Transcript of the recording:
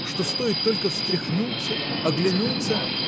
что стоит только встряхнуться, оглянуться.